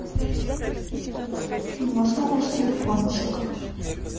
можно ваш телефончик